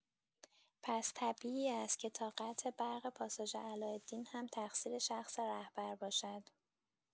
پس طبیعی است که تا قطع برق پاساژ علاالدین هم تقصیر شخص رهبر باشد.